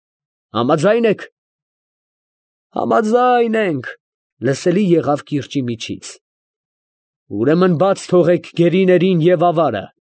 Համաձա՞յն եք։ ֊ Համաձայն ենք, ֊ լսելի եղավ կիրճի միջից։ ֊ Ուրեմն, բա՛ց թողեք գերիներին և ավարը։